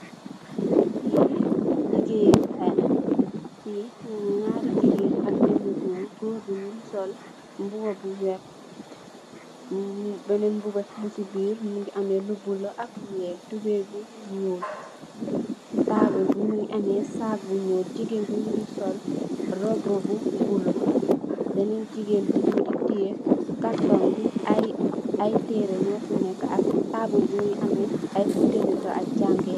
ligeyekai la nyari jigeen ak beneu goor goor bi mungi sol mbuba bu veert benen mbuba busi bir mungi ameh lu bulo ak lu weex tubey bu nyool ci taabul bi mungi ameh saac bu nyool jigeen bi mungi sol robu bu bulo benen jigeen bi mungi tee Kartong bi ay tereh mofi neka taabul bi mungi ameh ay butelu ndox ak jangeekai